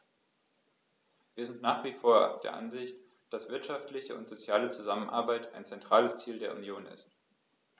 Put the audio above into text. Wir sind nach wie vor der Ansicht, dass der wirtschaftliche und soziale Zusammenhalt ein zentrales Ziel der Union ist.